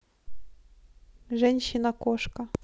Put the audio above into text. женщина кошка